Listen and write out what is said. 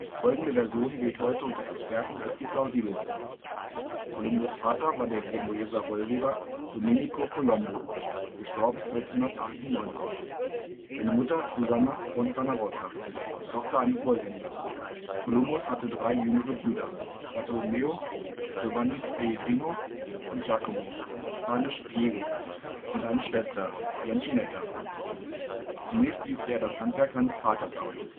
Folgende Version gilt heute unter Experten als die plausibelste: Kolumbus ' Vater war der Genueser Wollweber Domenico Colombo († 1498), seine Mutter Suzanna Fontanarossa, die Tochter eines Wollhändlers. Kolumbus hatte drei jüngere Brüder, Bartolomeo, Giovanni Pellegrino und Giacomo (span. Diego) und eine Schwester, Bianchinetta. Zunächst übte er das Handwerk seines Vaters aus